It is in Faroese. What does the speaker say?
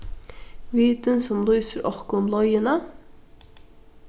vitin sum lýsir okkum leiðina